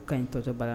Ka ɲi tɔtɔ baara